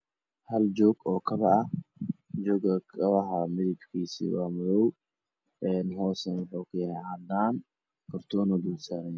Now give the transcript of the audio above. Hal joog oo kabo ah joog oo kabo ah midabkiisu waa madow hoosna waxa uu kayahay cadaan kartoon buuna dul saaranyahay